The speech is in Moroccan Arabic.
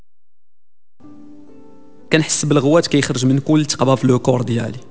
كل حسب اخواتك يخرج من كل تقابلو كوردي